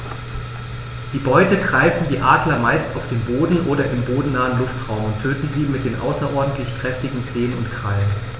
Die Beute greifen die Adler meist auf dem Boden oder im bodennahen Luftraum und töten sie mit den außerordentlich kräftigen Zehen und Krallen.